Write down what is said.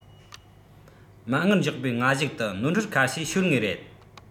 མ དངུལ འཇོག པའི སྔ གཞུག ཏུ ནོར འཁྲུལ ཁ ཤས ཤོར ངེས རེད